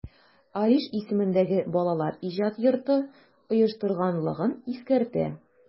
Алиш исемендәге Балалар иҗаты йорты оештырганлыгын искәртә.